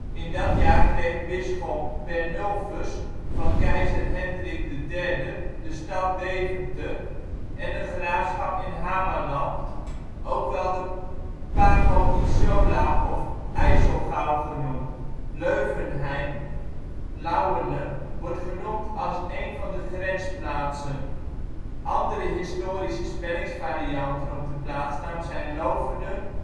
In dat jaar kreeg bisschop Bernulfus van keizer Hendrik III de stad Deventer en een graafschap in Hamaland, ook wel de Pago Isola of IJsselgouw genoemd. Leuvenheim (Louene) wordt genoemd als een van de grensplaatsen. Andere historische spellingsvarianten op de plaatsnaam zijn Lovenen